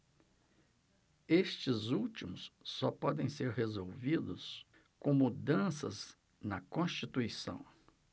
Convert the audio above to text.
estes últimos só podem ser resolvidos com mudanças na constituição